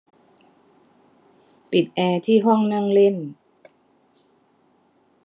ปิดแอร์ที่ห้องนั่งเล่น